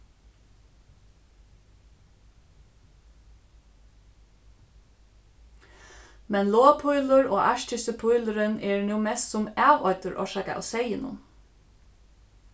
men loðpílur og arktiski pílurin eru nú mestsum avoyddir orsakað av seyðinum